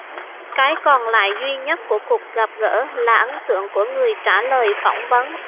cái còn lại duy nhất của cuộc gặp gỡ là ấn tượng của người trả lời phỏng vấn